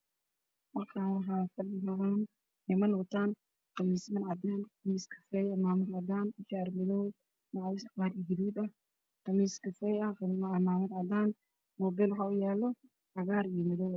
Waa masaajid waxaa fadhiya niman khamiistii ayey wataan madow iyo qaxoo isku jiray cimaamo dhulka waa cadaan